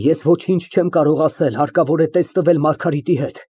Ես ոչինչ չեմ կարող ասել։ Հարկավոր է տեսնվել Մարգարիտի հետ։